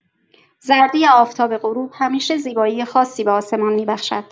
زردی آفتاب غروب همیشه زیبایی خاصی به آسمان می‌بخشد.